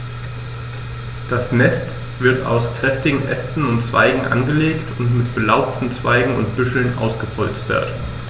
Das Nest wird aus kräftigen Ästen und Zweigen angelegt und mit belaubten Zweigen und Büscheln ausgepolstert.